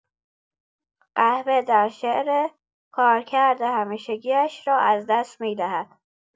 قهوه در شعر، کارکرد همیشگی‌اش را از دست می‌دهد.